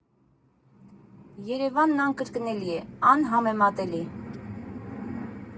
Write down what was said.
Երևանն անկրկնելի է, անհամեմատելի։